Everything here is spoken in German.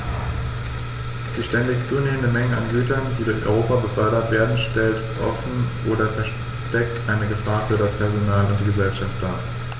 Die ständig zunehmende Menge an Gütern, die durch Europa befördert werden, stellt offen oder versteckt eine Gefahr für das Personal und die Gesellschaft dar.